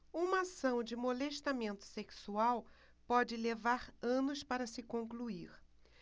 uma ação de molestamento sexual pode levar anos para se concluir